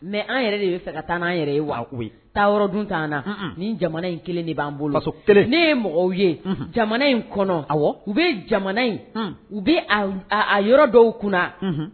Mais_ an yɛrɛ de bɛ fɛ ka taa n'an yɛrɛ ye , wa koyi, taga yɔrɔ dun tɛ an na nin jamana in kelen de b'an bolo , faso 1, de Wikipédia ne ye mɔgɔw ye jamana in kɔnɔ, unhun, jamana in, u bɛ a yɔrɔ dɔw kunna